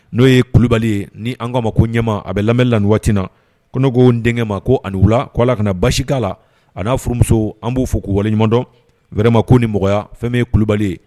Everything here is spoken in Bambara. N'o yebali ye ni an k kaa ma ko ɲɛmaa a bɛ lamɛn la waati na ko ko n denkɛ ma ko ani wula k' a la ka na basi k'a la ani n'a furumuso an b'u fo k'u waleɲumandɔn wɛrɛma ko ni mɔgɔya fɛn ye kulubali ye